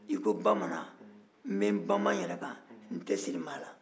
n'i ko bamanan n bɛ n bama n yɛrɛ kan n tɛ siri maa na